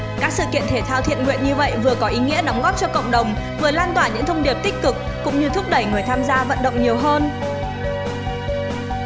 các sự kiện thể thao thiện nguyện như vậy vừa có ý nghĩa đóng góp cho cộng đồng vừa lan tỏa những thông điệp tích cực cũng như thúc đẩy người tham dự vận động nhiều hơn